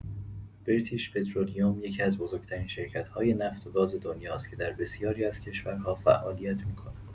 بریتیش‌پترولیوم یکی‌از بزرگ‌ترین شرکت‌های نفت و گاز دنیاست که در بسیاری از کشورها فعالیت می‌کند.